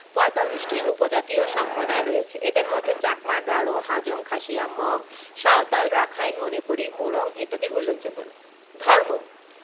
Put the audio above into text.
৪৫টি উপজাতীয় সম্প্রদায় রয়েছে এদের মধ্যে চাকমা গারো হাজং খাসিয়া মগ সাঁওতাল রাখাইন মণিপুরী মুরং ইত্যাদি উল্লেখযোগ্য ধর্ম